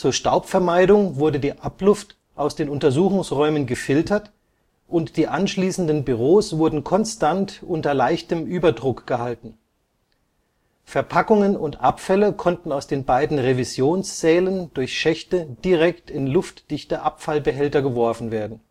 Staubvermeidung wurde die Abluft aus den Untersuchungsräumen gefiltert, und die anschließenden Büros wurden konstant unter leichtem Überdruck gehalten. Verpackungen und Abfälle konnten aus den beiden Revisionssälen durch Schächte direkt in luftdichte Abfallbehälter geworfen werden